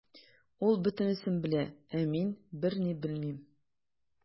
Ул бөтенесен белә, ә мин берни белмим.